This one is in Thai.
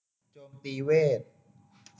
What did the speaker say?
โจมตีเวท